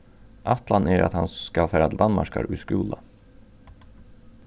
ætlanin er at hann skal fara til danmarkar í skúla